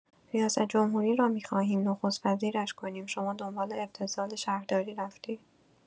ریاست‌جمهوری را می‌خواهیم نخست وزیرش کنیم، شما دنبال ابتذال شهرداری رفتی؟